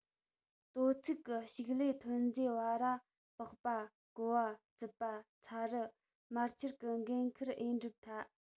དོ ཚིགས གི ཕྱུགས ལས ཐོན རྫས བ ར ལྤགས པ ཀོ བ རྩིད པ ཚ རུ མར ཆུ ར གི འགན ཁུར ཨེ གྲུབ ཐལ